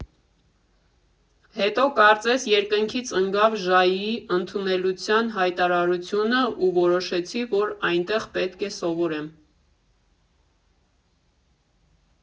Հետո կարծես երկնքից ընկավ ԺԱԻ֊ի ընդունելության հայտարարությունը, ու որոշեցի, որ այնտեղ պետք է սովորեմ։